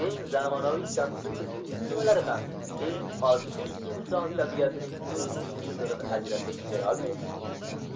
eng zamonaviy kompyuter sistemalari ham eng oddiy inson tabiatining umumiy chizig'ini ajratib berolmaydi